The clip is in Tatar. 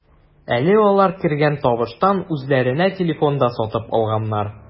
Әле алар кергән табыштан үзләренә телефон да сатып алганнар.